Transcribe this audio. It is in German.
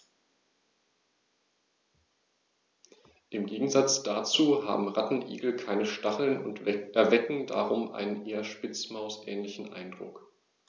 Im Gegensatz dazu haben Rattenigel keine Stacheln und erwecken darum einen eher Spitzmaus-ähnlichen Eindruck.